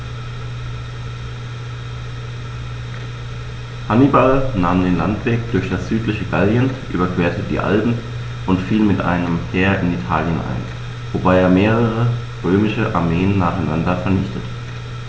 Hannibal nahm den Landweg durch das südliche Gallien, überquerte die Alpen und fiel mit einem Heer in Italien ein, wobei er mehrere römische Armeen nacheinander vernichtete.